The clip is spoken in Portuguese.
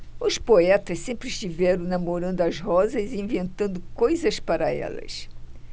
os poetas sempre estiveram namorando as rosas e inventando coisas para elas